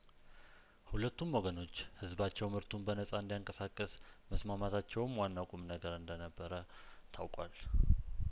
ሁለቱም ወገኖች ህዝባቸው ምርቱን በነጻ እንዲያንቀሳቅስ መስማማታቸውም ዋናው ቁምነገር እንደነበረ ታውቋል